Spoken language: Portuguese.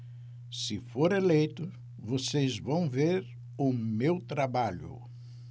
se for eleito vocês vão ver o meu trabalho